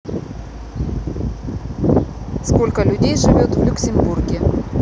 сколько людей живет в люксембурге